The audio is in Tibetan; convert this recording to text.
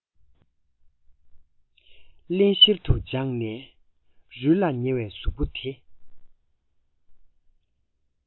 བརླན བཤེར དུ སྦངས ནས རུལ ལ ཉེ བའི གཟུགས པོ དེ